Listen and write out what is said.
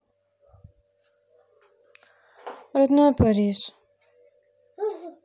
родной париж